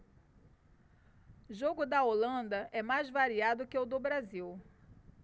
jogo da holanda é mais variado que o do brasil